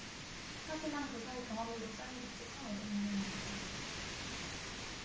하지만 그 사이 병원비로 쌓인 빚이 천 오백 만원이었다